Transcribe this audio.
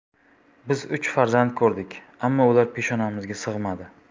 biz uch farzand ko'rdik ammo ular peshonamizga sig'madi